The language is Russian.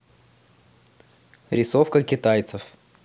рисовка китайцев